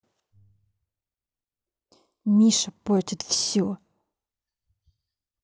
миша портит все